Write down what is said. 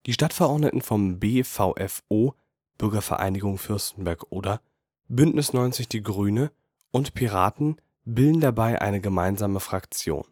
Stadtverordneten von BVFO (Bürgervereinigung Fürstenberg/Oder), Bündnis 90/Die Grünen und Piraten bilden dabei eine gemeinsame Fraktion